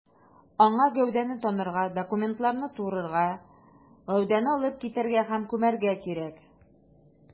Аңа гәүдәне танырга, документларны турырга, гәүдәне алып китәргә һәм күмәргә кирәк.